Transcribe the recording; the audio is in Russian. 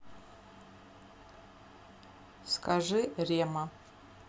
скажи рема